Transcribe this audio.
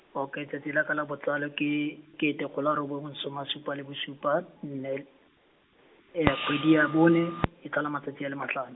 okay, tsatsi la ka la botsalo ke, kete kgolo a robongwe soma a supa le bosupa, nne, kgwedi ya bone, e tlhola matsatsi a le matlhano.